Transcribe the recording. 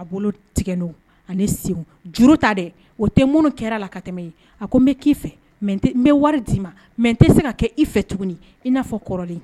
Bolo tigɛ ta dɛ o tɛ ŋ kɛra la ka tɛmɛ ye a ko n bɛ'i fɛ n bɛ wari d'i ma mɛ tɛ se ka kɛ i fɛ tuguni i n'a fɔ kɔrɔlen